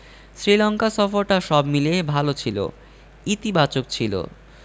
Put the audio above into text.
শ্রীলঙ্কা সফরটা সব মিলিয়ে ভালো ছিল ইতিবাচক ছিল